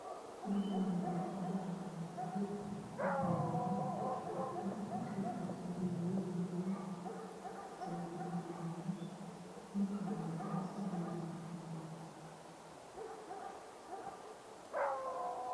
Waxa yaalo caag ku dhax jiro dirac kalarkiisuyahay madw